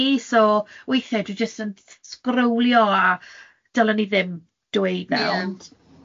i, so weithiau dwi jyst yn s- s- sgrowlio a dylwn i ddim dweud nawr... Ie